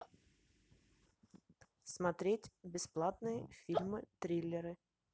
смотреть бесплатные фильмы триллеры